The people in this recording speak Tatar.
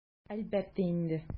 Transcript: Әлбәттә инде!